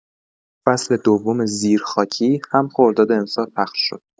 فصل دوم «زیرخاکی» هم‌خرداد امسال پخش شد.